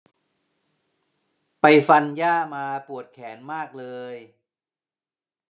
ไปฟันหญ้ามาปวดแขนมากเลย